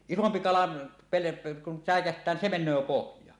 isompi kala - kun säikähtää niin se menee pohjaan